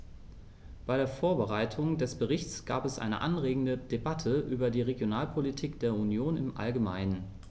Bei der Vorbereitung des Berichts gab es eine anregende Debatte über die Regionalpolitik der Union im allgemeinen.